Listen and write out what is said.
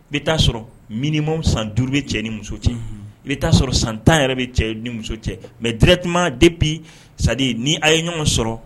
I bɛ t'a sɔrɔ minimum san 5 bɛ cɛ ni muso cɛ; Unhun; I bɛ t'a sɔrɔ san 10 yɛrɛ bɛ cɛ ni muso cɛ mais directement, depuis, c'est à dire ni a ye ɲɔgɔn sɔrɔ